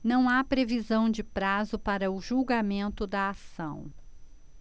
não há previsão de prazo para o julgamento da ação